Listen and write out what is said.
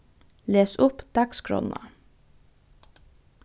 les upp dagsskránna